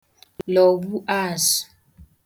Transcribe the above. lọwụ̀ azụ̄